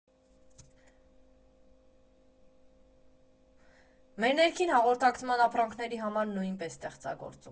Մեր ներքին հաղորդակցման ապրանքների համար նույնպես ստեղծագործում ենք։